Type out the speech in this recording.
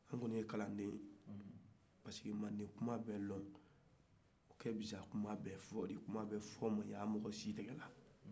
an kɔni ye kalandenw ye parce que mande kuma bɛ dɔ ka fisa kuma bɛ fɔ ye kuma bɛ fɔ maɲi a bɛ mɔgɔ si tigɛ